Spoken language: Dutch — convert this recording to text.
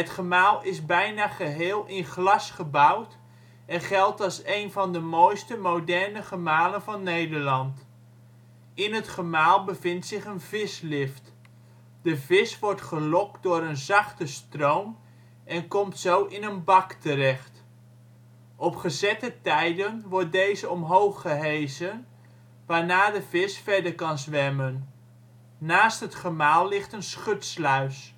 gemaal is bijna geheel in glas gebouwd en geldt als een van de mooiste, moderne gemalen van Nederland, ontworpen door een team van architecten (BureauNoordeloos) en ingenieurs (TAUW) In het gemaal bevindt zich een vislift. De vis wordt gelokt door een zachte stroom en komt zo in een bak terecht. Op gezette tijden wordt deze omhoog gehesen, waarna de vis verder kan zwemmen. Naast het gemaal ligt een schutsluis